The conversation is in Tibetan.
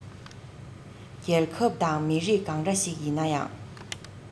རྒྱལ ཁབ དང མི རིགས གང འདྲ ཞིག ཡིན ནའང